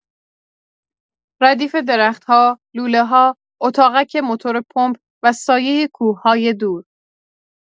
ردیف درخت‌ها، لوله‌ها، اتاقک موتور پمپ و سایۀ کوه‌های دور.